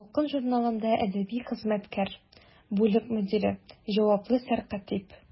«ялкын» журналында әдәби хезмәткәр, бүлек мөдире, җаваплы сәркәтиб.